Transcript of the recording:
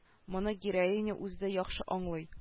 Моны героиня үзе дә яхшы аңлый